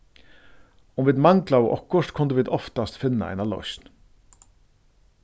um vit manglaðu okkurt kundu vit oftast finna eina loysn